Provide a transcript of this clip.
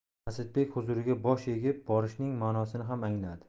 asadbek huzuriga bosh egib borishining ma'nosini ham angladi